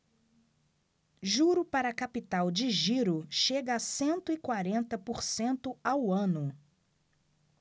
juro para capital de giro chega a cento e quarenta por cento ao ano